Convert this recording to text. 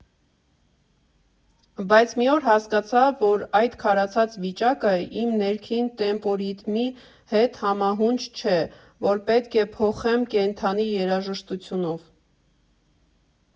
Բայց մի օր հասկացա, որ այդ քարացած վիճակը իմ ներքին տեմպոռիթմի հետ համահունչ չէ, որ պետք է փոխեմ կենդանի երաժշտությունով։